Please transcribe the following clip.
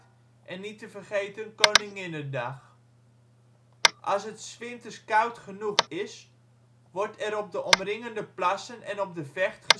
en niet te vergeten Koninginnedag. Als het ' s winters koud genoeg is, wordt er op de omringende plassen en op de Vecht